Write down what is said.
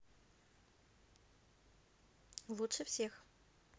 лучше всех